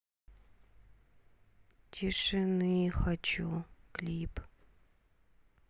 тишины хочу клип